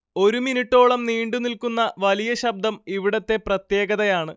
ഒരു മിനുട്ടോളം നീണ്ടുനിൽക്കുന്ന വലിയ ശബ്ദം ഇവിടത്തെ പ്രത്യേകതയാണ്